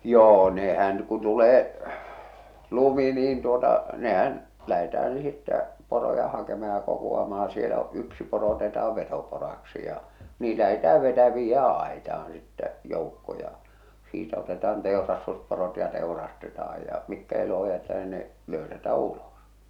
joo nehän kun tulee lumi niin tuota nehän lähdetään sitten poroja hakemaan ja kokoamaan siellä on yksi poro otetaan vetoporoksi ja niin lähdetään - viedään aitaan sitten joukko ja siitä otetaan teurastusporot ja teurastetaan ja mitkä eloon jätetään niin ne löysätä ulos